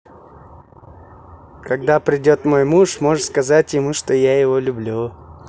когда придет мой муж можешь сказать ему что я его люблю